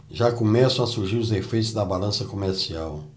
já começam a surgir os efeitos na balança comercial